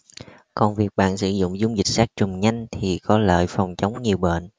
còn việc bạn sử dụng dung dịch sát trùng nhanh thì có lợi phòng chống nhiều bệnh